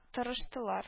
Тырыштылар